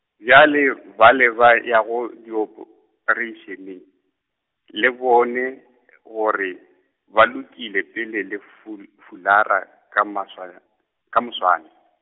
bjale ba le ba yago diopareišeneng, le bone gore, ba lokile pele le ful-, fulara ka maswa-, ka moswane.